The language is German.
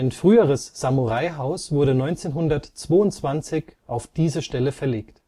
früheres Samurai-Haus wurde 1922 auf diese Stelle verlegt